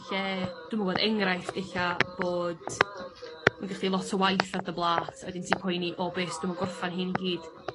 lle dw'm yn gwbod enghraifft ella bod ma' 'da chi lot o waith ar dy blât a 'edyn ti poeni o be' 's dwi'm yn gorffan hyn gyd?